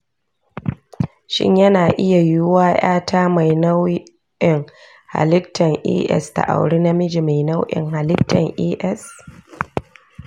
shin yana iya yuwa 'yata mai nau'in hallitan as ta auri namiji mai nau'in hallitan as?